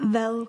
fel